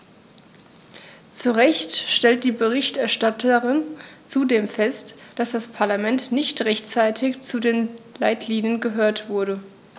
Zu Recht stellt die Berichterstatterin zudem fest, dass das Parlament nicht rechtzeitig zu den Leitlinien gehört wurde.